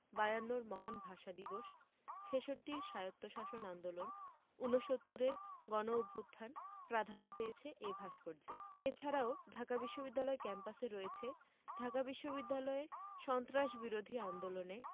বায়ান্নর মহান ভাষা দিবস ছেষট্টির স্বায়ত্তশাসন আন্দোলন উনসত্তুরের গণঅভ্যুত্থান প্রাধান্য পেয়েছে এ ভাস্কর্যে এ ছাড়াও ঢাকা বিশ্ববিদ্যালয় ক্যাম্পাসে রয়েছে ঢাকা বিশ্ববিদ্যালয়ে সন্ত্রাসবিরোধী আন্দোলনে